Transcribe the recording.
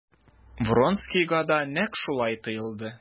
Вронскийга да нәкъ шулай тоелды.